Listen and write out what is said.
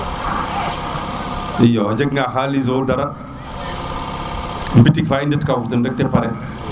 iyo o jega nga xaliso dara mbitik fa in ka fud rek te pare